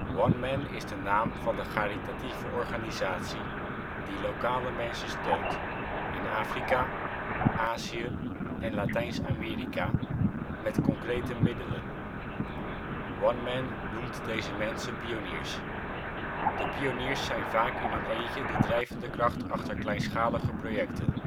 oneMen is de naam van de charitatieve organisatie die lokale mensen steunt in Afrika, Azië en Latijns-Amerika met concrete middelen. oneMen noemt deze mensen pioniers. De pioniers zijn vaak in hun eentje de drijvende kracht achter kleinschalige projecten